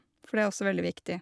For det er også veldig viktig.